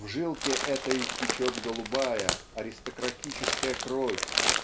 В жилке этой течет голубая аристократическая кровь